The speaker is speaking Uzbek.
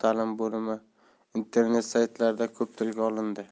ta'limi bo'limi internet saytlarida ko'p tilga olindi